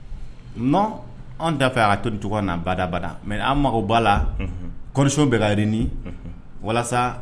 Non anw t'a fɛ a ka to ni cogoya in badabada mais an mago b'a la condition bɛ ka reunis walasa